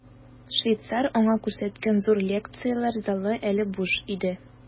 Швейцар аңа күрсәткән зур лекцияләр залы әле буш иде.